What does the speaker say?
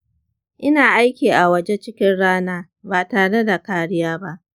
ina aiki a waje cikin rana ba tare da kariya ba